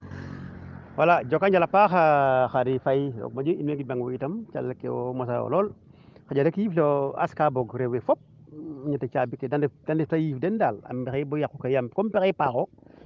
wala njoko njala a paax Khady Faye moƴi in way ngind mang a paax calel ke wo a mosa wo itam xaƴa yit o as ka boog rewe fop ñeti caabi ke de mbata yiif den daal a mbexey bo yaqu ke comme pexey paaxo